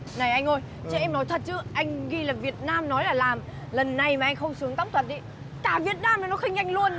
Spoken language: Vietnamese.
này anh ơi cho em nói thật chứ anh ghi là việt nam nói là làm lần này mà anh không xuống tóc thật ý cả việt nam này nó khinh anh luôn ý